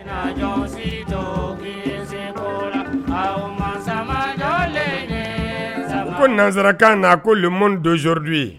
Ko nansa kan na ko mmu donodu ye